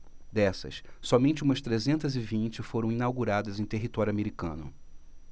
dessas somente umas trezentas e vinte foram inauguradas em território americano